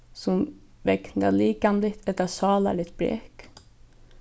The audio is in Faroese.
sum vegna likamligt ella sálarligt brek